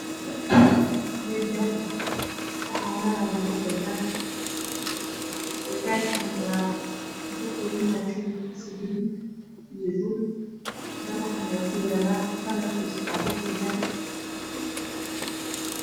Meeshani waa meel laami ah, waxaanna maraya laba bajaaj. Bajaaj waxa uu ka kooban yahay midab guduudan iyo buluug, darbiga meshaa ku yaal waa kalar cadaan ah iyo baluug